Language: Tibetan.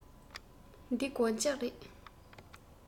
འདི སྒོ ལྕགས རེད